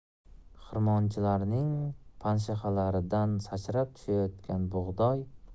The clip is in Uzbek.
xirmonchilarning panshaxalaridan sachrab tushayotgan bug'doy